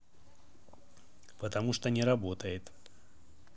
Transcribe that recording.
потому что не работает